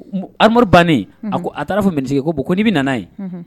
Bannen a ko a taara fɔ minitigi ko n' bɛ nan ye